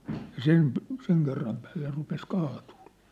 ja sen - sen kerran päälle rupesi kaatuilemaan